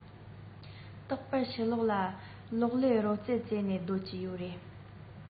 རྟག པར ཕྱི ལོག ལ གློག ཀླད རོལ རྩེད རྩེད ནས སྡོད ཀྱི ཡོད རེད